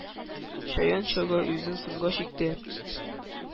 Чаян чага үзен соңгы чиктә,